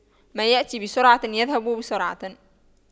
ما يأتي بسرعة يذهب بسرعة